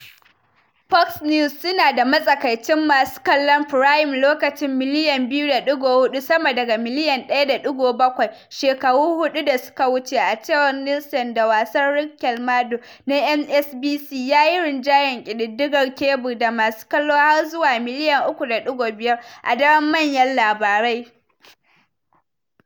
Fox News su na da matsakaicin masu kallon firayim lokaci miliyan 2.4, sama daga miliyan 1.7 shekaru huɗu da suka wuce, a cewar Nielsen, da “Wasar Rachel Maddow” na MSNBC ya yi rinjayen kididdigar kebur da masu kallo har zuwa miliyan 3.5 a daren manyan labarai.